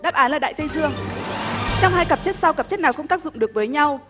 đáp án ở đại tây dương trong hai cặp chất sau cặp chất nào công tác dụng được với nhau